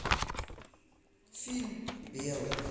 фильм белый